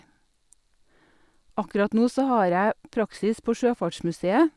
Akkurat nå så har jeg praksis på Sjøfartsmuseet.